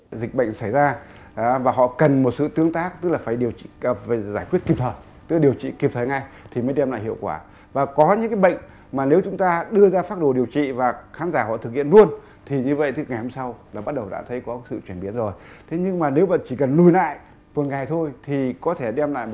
dịch bệnh xảy ra và họ cần một sự tương tác tức là phải điều chỉnh cập về giải quyết kịp thời tức điều trị kịp thời ngay thì mới đem lại hiệu quả và có những bệnh mà nếu chúng ta đưa ra phác đồ điều trị và khán giả họ thực hiện luôn thì như vậy thực nghiệm sau là bắt đầu đã thấy có sự chuyển biến rồi thế nhưng mà nếu và chỉ cần lùi lại vài ngày thôi thì có thể đem lại